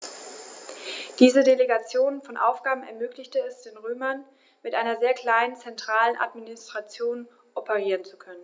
Diese Delegation von Aufgaben ermöglichte es den Römern, mit einer sehr kleinen zentralen Administration operieren zu können.